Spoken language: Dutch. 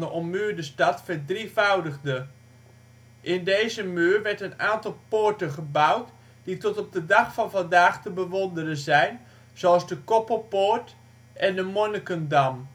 ommuurde stad verdrievoudigde. In deze muur werden een aantal poorten gebouwd die tot op de dag van vandaag te bewonderen zijn, zoals de Koppelpoort en Monnikendam